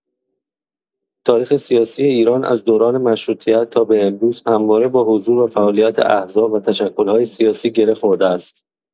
تاریخ سیاسی ایران از دوران مشروطیت تا به امروز، همواره با حضور و فعالیت احزاب و تشکل‌های سیاسی گره خورده است.